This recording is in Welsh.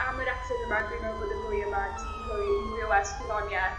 am yr episod yma dwi' me'wl bod y ddwy yma 'di rhoi mwy o wers gwyddonieth...